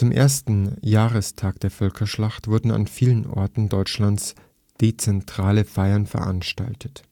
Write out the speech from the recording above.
ersten Jahrestag der Völkerschlacht wurden an vielen Orten Deutschlands dezentrale Feiern veranstaltet